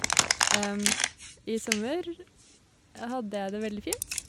I sommer hadde jeg det veldig fint.